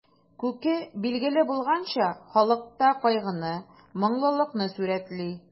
Күке, билгеле булганча, халыкта кайгыны, моңлылыкны сурәтли.